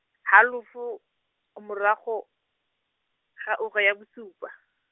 halofo, morago, ga ura ya bosupa.